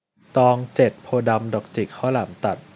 ตองเจ็ดโพธิ์ดำดอกจิกข้าวหลามตัด